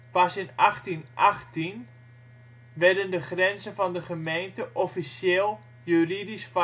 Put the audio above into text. Pas in 1818 werden de grenzen van de gemeente officieel juridisch